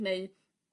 Neu